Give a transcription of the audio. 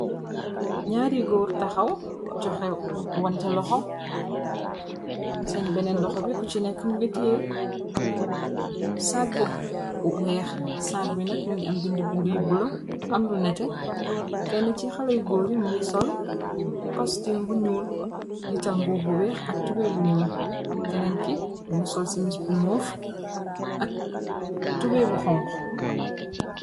Nyaari góor taxaw joxe wante loxo seen benneen loxo e ku ci neki mu ngi tee sagg bu weex sagg bi neg mu ngi am bind bind yu bulo am lu nete kenn ci xalay góori mu ngi sol kostim bu ñuul jiital mboo bu weex ak tubey bu ñuul kenneen ki mungi sol simis bu moof ak tubey bu xong.